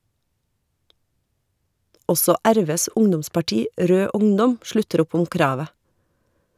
Også RVs ungdomsparti, Rød Ungdom, slutter opp om kravet.